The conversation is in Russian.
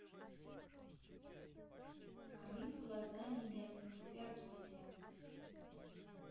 крым глазами местных феодосия